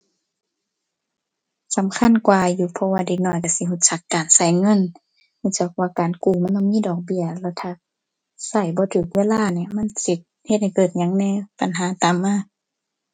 สำคัญกว่าอยู่ เพราะว่าเด็กน้อยก็สิก็จักการก็เงิน ก็จักว่าการกู้มันต้องมีดอกเบี้ย แล้วถ้าก็บ่ก็เวลาเนี่ยมันสิเฮ็ดให้เกิดหยังแหน่ ปัญหาตามมา